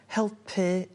helpu